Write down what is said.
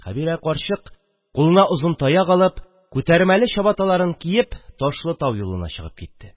Хәбирә карчык кулына озын таяк алып, күтәрмәле чабаталарын киеп Ташлытау юлына чыгып китте